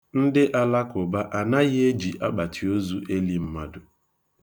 Ndị Alakụba anaghị eji akpatiozu eli mmadụ.